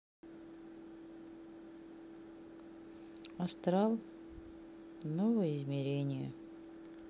астрал новое измерение